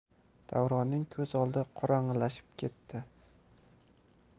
davronning ko'z oldi qorong'ilashib ketdi